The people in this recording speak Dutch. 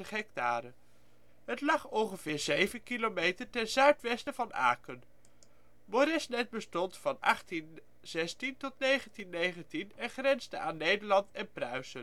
hectare. Het lag ongeveer zeven kilometer ten zuidwesten van Aken. Moresnet bestond van 1816 tot 1919, en grensde aan Nederland en Pruisen. Na 1830